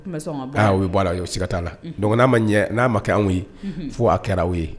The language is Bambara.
U bɛ bɔ la sika t' la don'a ma ɲɛ n'a ma kɛ anw ye fo a kɛra ye